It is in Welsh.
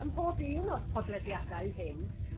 Ym mhob un o'r podlediadau hyn